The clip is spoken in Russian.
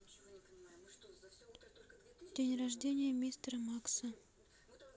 день рождения мистера макса